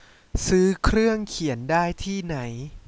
ซื้อเครื่องเขียนได้ที่ไหน